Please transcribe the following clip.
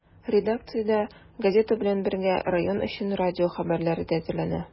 Редакциядә, газета белән бергә, район өчен радио хәбәрләре дә әзерләнә.